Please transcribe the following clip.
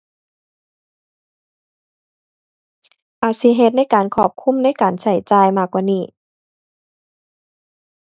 อาจสิเฮ็ดในการครอบคลุมในการใช้จ่ายมากกว่านี้